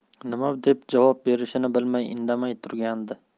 nima deb javob berishni bilmay indamay turgandi